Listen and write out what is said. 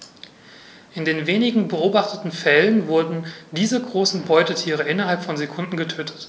In den wenigen beobachteten Fällen wurden diese großen Beutetiere innerhalb von Sekunden getötet.